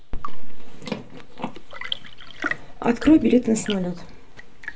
открой билеты на самолет